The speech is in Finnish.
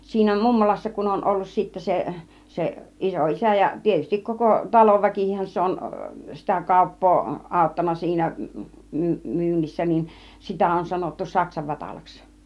siinä mummolassa kun on ollut sitten se se isoisä ja tietysti koko talonväkikinhän se on sitä kauppaa auttanut siinä - myynnissä niin sitä on sanottu - saksa-Vatalaksi